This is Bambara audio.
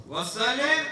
O sa